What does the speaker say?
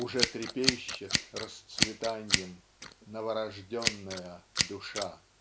Уже трепещет расцветаньем Новорожденная душа.